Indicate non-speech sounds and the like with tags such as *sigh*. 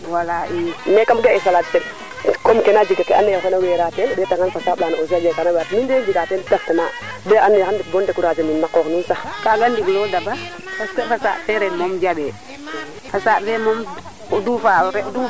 ok merci beaucoup Marie Angelique cherie Adou Mararam Awo fe *laughs* aca bo ndik i ndef meeke panale Ndoundokh rek i sutwa fule kama ɗingale i mba ndet kama ɗingale verifier a ndiki sutoxa no yaal meta ka fo wan salade fa ndokid no rewe ando naye wene arroser a neke soble fe